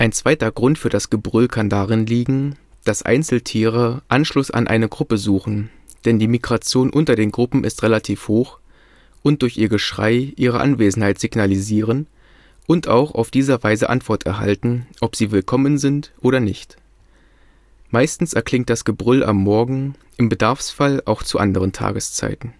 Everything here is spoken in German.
zweiter Grund für das Gebrüll kann darin liegen, dass Einzeltiere Anschluss an eine Gruppe suchen – die Migration unter den Gruppen ist relativ hoch – und durch ihr Geschrei ihre Anwesenheit signalisieren und auch auf diese Weise Antwort erhalten, ob sie willkommen sind oder nicht. Meistens erklingt das Gebrüll am Morgen, im Bedarfsfall auch zu anderen Tageszeiten